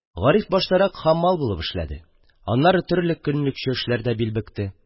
Гариф баштарак хаммал булып эшләде, аннары төрле көнлекче эшләрдә бил бөкте.